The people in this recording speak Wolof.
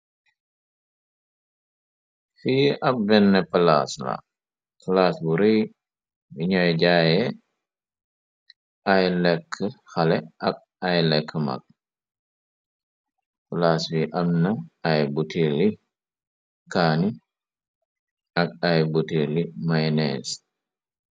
fi ab benn palaas la claas bu rëy bi ñooy jaaye ay lekk xale ak ay lekk mag plaas bi amna ay butiili kaani ak ay butiili may neez